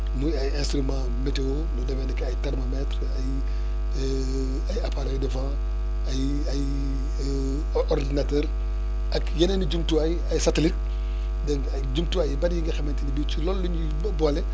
muy ay instruments météo lu demee ni ki ay thermomètres ay ay appareils de vent ay ay ordinateurs ak yeneen i jumtuwaay ay satélites dégg nga ay jumtuwaay yu bëri yi nga xamante ni bi ci loolu la ñuy boole